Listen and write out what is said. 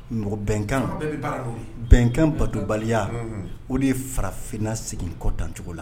Mɔgɔ bɛnkan bɛnkan batobaliya o de ye farafinna segin kɔtancogo la